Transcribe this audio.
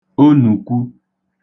onùkwu